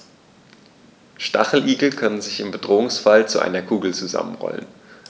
Stacheligel können sich im Bedrohungsfall zu einer Kugel zusammenrollen.